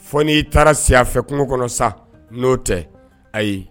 Fo n'i taara si a fɛ kungo kɔnɔ sa, n'o tɛ ayi